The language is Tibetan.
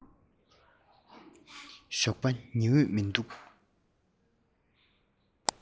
ཞོགས པ ཉི འོད མི འདུག